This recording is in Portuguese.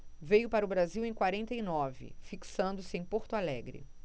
veio para o brasil em quarenta e nove fixando-se em porto alegre